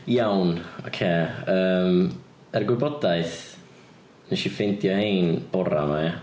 Iawn ocê, yym er gwybodaeth wnes i ffeindio rhein bore ma ia.